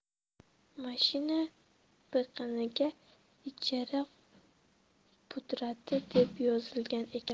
mashina biqiniga ijara pudrati deb yozilgan ekan